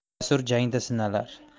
jasur jangda sinalar